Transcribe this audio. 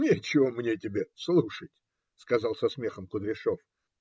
- Нечего мне тебя слушать, - сказал со смехом Кудряшов.